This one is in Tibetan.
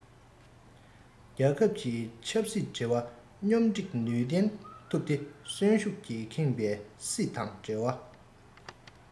རྒྱལ ཁབ ཀྱི ཆབ སྲིད འབྲེལ བ སྙོམས སྒྲིག ནུས ལྡན ཐུབ སྟེ གསོན ཤུགས ཀྱིས ཁེངས པའི སྲིད ཏང འབྲེལ བ དང